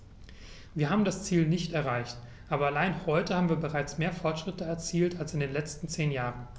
Wir haben das Ziel nicht erreicht, aber allein heute haben wir bereits mehr Fortschritte erzielt als in den letzten zehn Jahren.